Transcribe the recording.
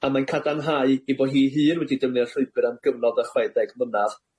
a ma'i'n cadarnhau ei bo' hi hun wedi defnyddio'r llwybyr am gyfnod o chwe deg mlynadd.